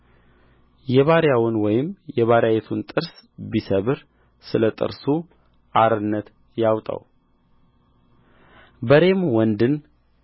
የባሪያውን ወይም የባሪያይቱን ጥርስ ቢሰብር ስለ ጥርሱ አርነት ያውጣው በሬም ወንድን